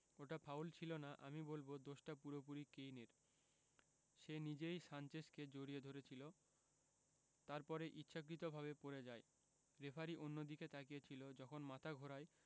ওটা ফাউল ছিল না আমি বলব দোষটা পুরোপুরি কেইনের সে নিজেই সানচেজকে জড়িয়ে ধরেছিল তারপরে ইচ্ছাকৃতভাবে পড়ে যায় রেফারি অন্যদিকে তাকিয়ে ছিল যখন মাথা ঘোরায়